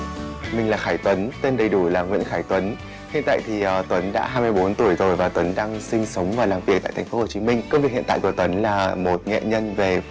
mình là khải tuấn tên đầy đủ là nguyễn khải tuấn hiện tại thì à tuấn đã hai mươi bốn tuổi rồi và tuấn đang sinh sống và làm việc tại thành phố hồ chí minh công việc hiện tại của tuấn là một nghệ nhân về